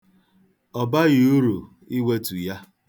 Ọ baghị uru iwetu ya.